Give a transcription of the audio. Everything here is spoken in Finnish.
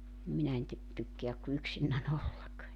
niin minä en - tykkää kuin yksinäni olla